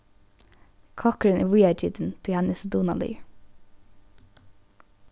kokkurin er víðagitin tí hann er so dugnaligur